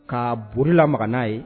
Ka bolilagan n'a ye